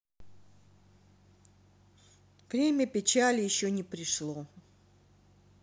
время печали еще не пришло